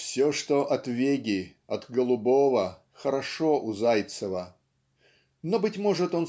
Все, что от Беги, от голубого, хорошо у Зайцева но быть может